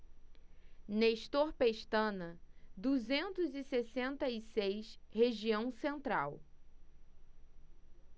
nestor pestana duzentos e sessenta e seis região central